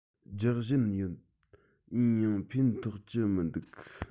རྒྱག བཞིན ཡོད ཡིན ཡང ཕན ཐོགས ཀྱི མི འདུག